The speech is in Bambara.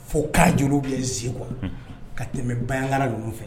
Fo k'a juru bɛ seko ka tɛmɛ baga ninnu fɛ